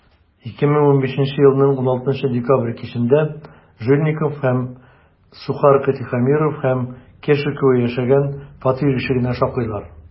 2015 елның 16 декабрь кичендә жильников һәм сухарко тихомиров һәм кешикова яшәгән фатир ишегенә шакыйлар.